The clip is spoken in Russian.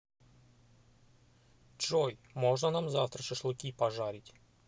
джой можно нам завтра шашлыки пожарить